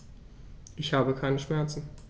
Ich habe keine Schmerzen.